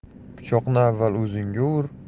pichoqni avval o'zingga